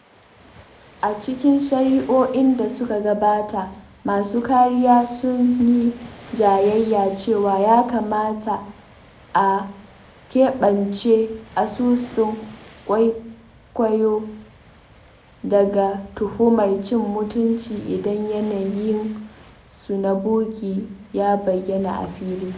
A cikin shari'o'in da suka gabata, masu kariya sun yi jayayya cewa ya kamata a keɓance asusun kwaikwayo daga tuhumar cin mutunci idan yanayinsu na bogi ya bayya a fili.